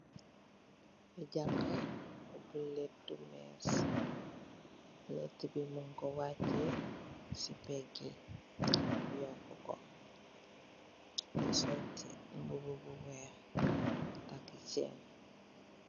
Janxa bu lèttu més, lèttu yi muñ ko waccè ci pegga yi yóku ko. Mugii sol mbubu bu wèèx takka cèèn.